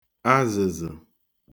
azėzė